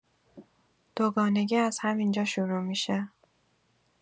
دوگانگی از همینجا شروع می‌شه.